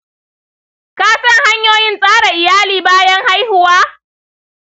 ka san hanyoyin tsara iyali bayan haihuwa?